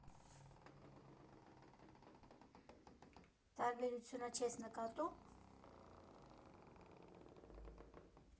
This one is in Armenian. Տարբերությունը չես նկատու՞մ…